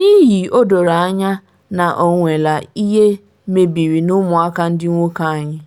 N’ihi o doro anya na ọ nwela ihe mebiri n’ụmụaka ndị nwoke anyị.’